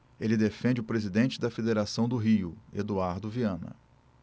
ele defende o presidente da federação do rio eduardo viana